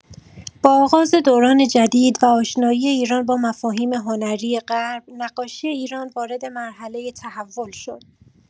با آغاز دوران جدید و آشنایی ایران با مفاهیم هنری غرب، نقاشی ایران وارد مرحله تحول شد.